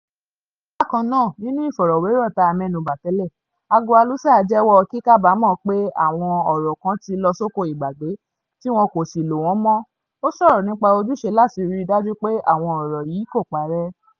Bákan náà, nínu ìfọ̀rọ̀wérọ̀ tá mẹnubà tẹ́lẹ̀, Agualusa jẹ́wọ́ “kíkàbámọ̀ pé àwọn ọ̀rọ̀ kan ti lọ sóko ìgbàgbé tí wọ́n kò sì lò wọ́n mọ́” ó sọ̀rọ̀ nípa “ojúṣe láti ri dájú pé àwọn ọ̀rọ̀ yìí kò parẹ́”